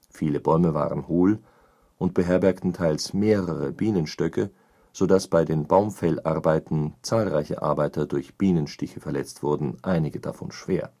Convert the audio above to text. Viele Bäume waren hohl und beherbergten teils mehrere Bienenstöcke, sodass bei den Baumfällarbeiten zahlreiche Arbeiter durch Bienenstiche verletzt wurden, einige davon schwer